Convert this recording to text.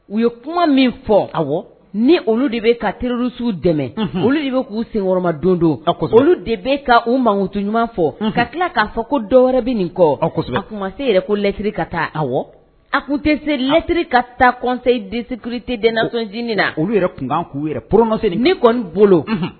U ye kuma min fɔ a ni olu de bɛ ka terirlusiw dɛmɛ olu de bɛ k'u senkɔrɔma don don a olu de bɛ ka uu makutu ɲuman fɔ ka tila k'a fɔ ko dɔw wɛrɛ bɛ nin kɔ a a se yɛrɛ ko lɛt ka taa aw a kun tɛ se lɛtri ka taa kɔnsen deurritedcinin na olu yɛrɛ tun kan k'u poromase ne kɔni bolo